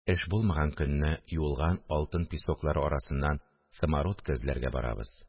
Эш булмаган көнне юылган алтын песоклары арасыннан самородкы эзләргә барабыз